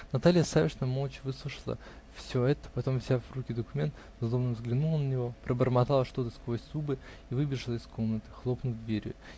Наталья Савишна молча выслушала все это, потом, взяв в руки документ, злобно взглянула на него, пробормотала что-то сквозь зубы и выбежала из комнаты, хлопнув дверью.